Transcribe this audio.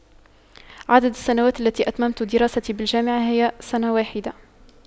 عدد السنوات التي أتممت دراستي بالجامعة هي سنة واحدة